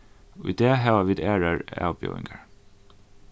í dag hava vit aðrar avbjóðingar